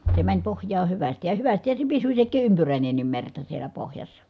se meni pohjaan hyvästi ja ja hyvästihän se pysyi sekin ympyräinenkin merta siellä pohjassa